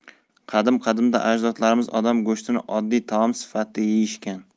qadim qadimda ajdodlarimiz odam go'shtini oddiy taom sifatida yeyishgan